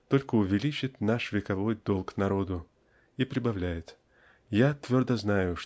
только увеличит наш вековой долг народу" и прибавляет "я твердо знаю